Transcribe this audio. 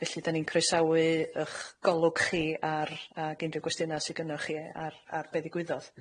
felly 'dan ni'n croesawu 'ych golwg chi ar- ag unrhyw gwestiyna sy gynnoch chi ar ar be' ddigwyddodd.